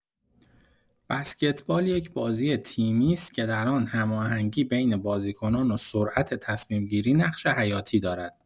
بسکتبال یک بازی تیمی است که در آن هماهنگی بین بازیکنان و سرعت تصمیم‌گیری نقش حیاتی دارد.